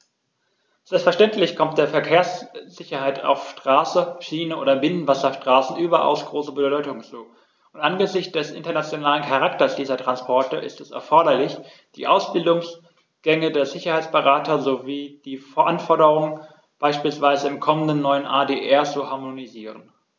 Selbstverständlich kommt der Verkehrssicherheit auf Straße, Schiene oder Binnenwasserstraßen überaus große Bedeutung zu, und angesichts des internationalen Charakters dieser Transporte ist es erforderlich, die Ausbildungsgänge für Sicherheitsberater sowie die Anforderungen beispielsweise im kommenden neuen ADR zu harmonisieren.